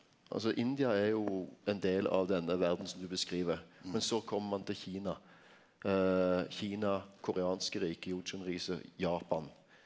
altså India er jo ein del av denne verda som du beskriv men så kjem ein til Kina, Kina, koreanske riket, Japan.